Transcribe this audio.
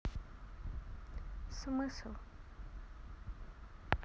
смысл